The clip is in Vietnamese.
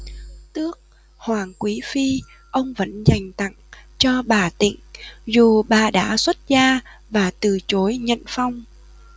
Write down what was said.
tước hoàng quý phi ông vẫn dành tặng cho bà tịnh dù bà đã xuất gia và từ chối nhận phong